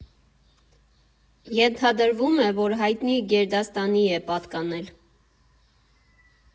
Ենթադրվում է, որ հայտնի գերդաստանի է պատկանել։